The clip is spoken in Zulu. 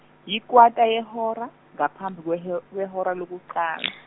yikwata yehora, ngaphambi kwe- kwehora lokuqala.